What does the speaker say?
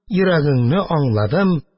Йөрәгеңне аңладым.